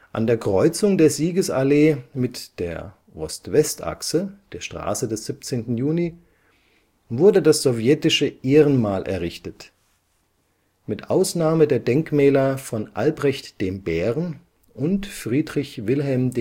an. An der Kreuzung der Siegesallee mit der Ost-West-Achse (Straße des 17. Juni) wurde das Sowjetische Ehrenmal errichtet. Mit Ausnahme der Denkmäler von Albrecht dem Bären und Friedrich Wilhelm